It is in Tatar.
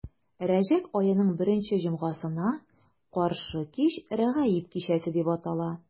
Рәҗәб аеның беренче җомгасына каршы кич Рәгаиб кичәсе дип атала.